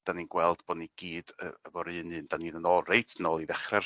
'dan ni'n gweld bo' ni gyd yy efo'r un un 'dan ni fynd yn ôl reit nôl i ddechre'r